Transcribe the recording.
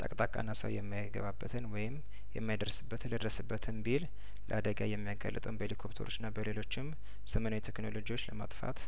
ጠቅጣቃና ሰው የማይገባበትን ወይም የማይደርስ በትን ልድረስበትም ቢል ለአደጋ የሚያጋልጠውን በሂሊኮፕተሮችና በሌሎችም ዘመናዊ ቴክኖሎጂዎች ለማጥፋት